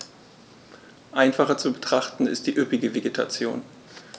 Einfacher zu betrachten ist die üppige Vegetation.